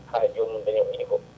ha jomum daña ko yiiɗi ko